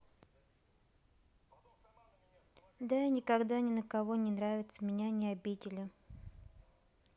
да и никогда ни на кого не нравится меня не обидели